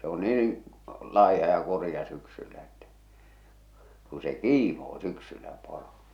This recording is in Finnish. se on niin laiha ja kurja syksyllä että kun se kiimoo syksyllä poro